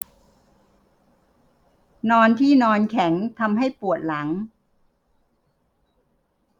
นอนที่นอนแข็งทำให้ปวดหลัง